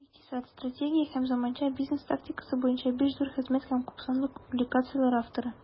Икътисад, стратегия һәм заманча бизнес тактикасы буенча 5 зур хезмәт һәм күпсанлы публикацияләр авторы.